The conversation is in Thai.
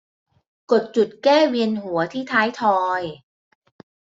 กดจุดแก้เวียนหัวที่ท้ายทอย